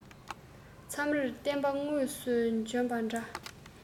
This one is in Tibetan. མཚམས རེར སྟོན པ དངོས སུ བྱོན པ འདྲ